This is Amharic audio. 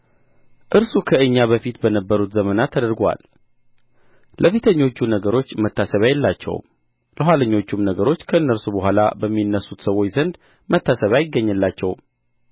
እርሱ ከእኛ በፊት በነበሩት ዘመናት ተደርጎአል ለፊተኞቹ ነገሮች መታሰቢያ የላቸውም ከኋለኞቹም ነገሮች ከእነርሱ በኋላ በሚነሡት ሰዎች ዘንድ መታሰቢያ አይገኝላቸውም